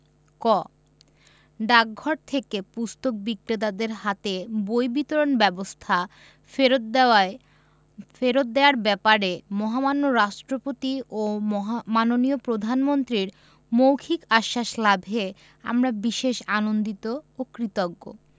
ক ডাকঘর থেকে পুস্তক বিক্রেতাদের হাতে বই বিতরণ ব্যবস্থা ফেরত দেওয়ার ব্যাপারে মহামান্য রাষ্ট্রপতি ও মাননীয় প্রধানমন্ত্রীর মৌখিক আশ্বাস লাভে আমরা বিশেষ আনন্দিত ও কৃতজ্ঞ